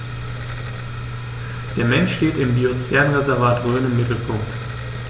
Der Mensch steht im Biosphärenreservat Rhön im Mittelpunkt.